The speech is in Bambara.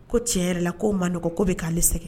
Ko cɛ yɛrɛ la k'o man ko bɛ k'aale sɛgɛn